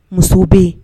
Muso bɛ yen